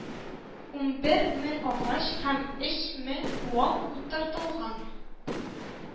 Унбер мең агач һәм өч мең куак утыртылган